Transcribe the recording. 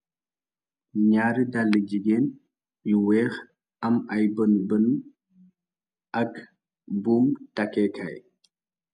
ñaari dalli jigeen yu weex am ay bën bën ak buum takkekaay